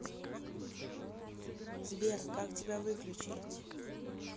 сбер как тебя выключить